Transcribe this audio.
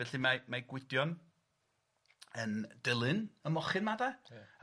Felly, mae mae Gwydion yn dilyn y mochyn 'ma, 'de?... Ia...